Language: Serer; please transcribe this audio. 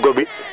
coox ngo ten